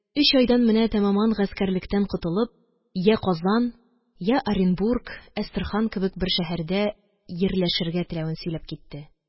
Өч айдан менә тәмамән гаскәрлектән котылып, йә казан, йә оренбург, әстерхан кебек бер шәһәрдә йирләшергә теләвен сөйләп китте.